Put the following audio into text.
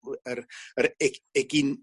wy- yr yr e- egin